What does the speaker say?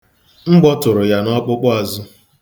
Mgbọ tụrụ ya n'ọkpụkpụazụ.